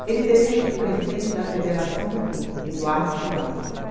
ele defende o presidente da federação do rio eduardo viana